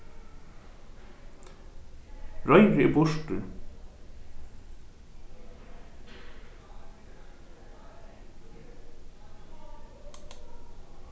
reiðrið er burtur